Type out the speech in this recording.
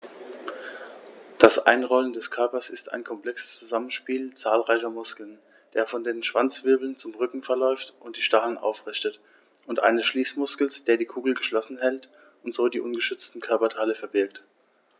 Das Einrollen des Körpers ist ein komplexes Zusammenspiel zahlreicher Muskeln, der von den Schwanzwirbeln zum Rücken verläuft und die Stacheln aufrichtet, und eines Schließmuskels, der die Kugel geschlossen hält und so die ungeschützten Körperteile verbirgt.